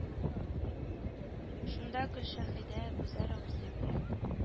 Шунда гөлшәһидә әбүзәр абзый белән